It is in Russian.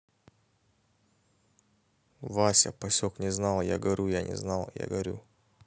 вася пасек не знал я горя я не знал я горя